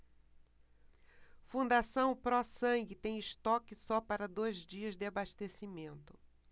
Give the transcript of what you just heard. fundação pró sangue tem estoque só para dois dias de abastecimento